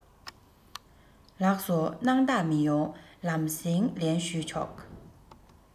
ལགས སོ སྣང དག མི ཡོང ལམ སེང ལན ཞུས ཆོག